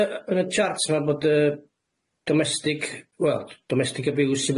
yy yn y chart 'ma bod yy domestig wel domestig abiws i